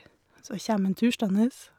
Så kjem han tuslende.